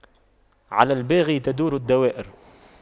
على الباغي تدور الدوائر